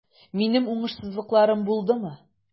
Минем уңышсызлыкларым булдымы?